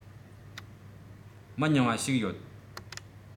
མི ཉུང བ ཞིག ཡོད